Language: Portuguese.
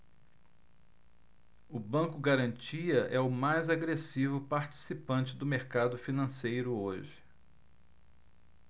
o banco garantia é o mais agressivo participante do mercado financeiro hoje